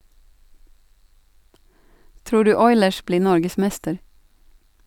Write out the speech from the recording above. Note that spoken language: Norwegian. Tror du Oilers blir norgesmester?